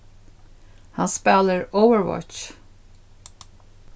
hann spælir overwatch